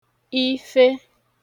ife